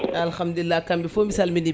alahamdulillah kamɓe fo mi salminiɓe